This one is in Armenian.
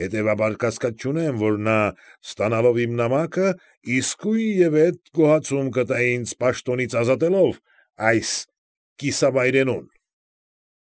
Հետևաբար, կասկած չունեմ, որ նա, ստանալով իմ նամակը իսկույնևեթ գոհացում կտա ինձ, պաշտոնից ազատելով այդ կիսավայրենուն։